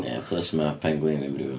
Ia, plys ma' penglin fi'n brifo.